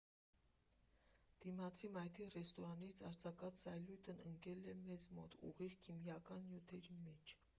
Դիմացի մայթի ռեստորանից արձակած սալյուտն ընկել է մեզ մոտ՝ ուղիղ քիմիական նյութերի մեջ»։